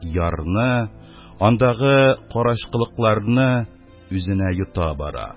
Ярны, андагы карачкылыкларны үзенә йота бара.